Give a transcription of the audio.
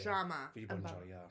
Drama... Fi 'di bod yn joio.